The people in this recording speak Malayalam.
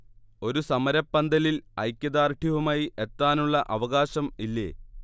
ഒരു സമരപന്തലിൽ ഐക്യദാർഢ്യവുമായി എത്താനുള്ള അവകാശം ഇല്ലേ